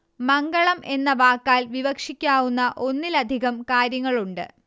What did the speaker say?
മംഗളം എന്ന വാക്കാൽ വിവക്ഷിക്കാവുന്ന ഒന്നിലധികം കാര്യങ്ങളുണ്ട്